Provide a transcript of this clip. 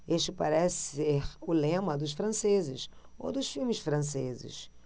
este parece ser o lema dos franceses ou dos filmes franceses